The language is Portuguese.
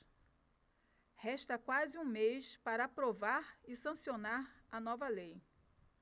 resta quase um mês para aprovar e sancionar a nova lei